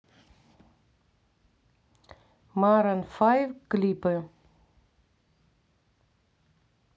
марон файв клипы